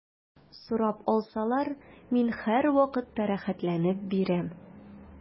Сорап алсалар, мин һәрвакытта рәхәтләнеп бирәм.